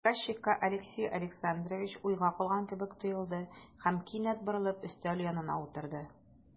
Приказчикка Алексей Александрович уйга калган кебек тоелды һәм, кинәт борылып, өстәл янына утырды.